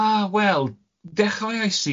A wel dechraeuais i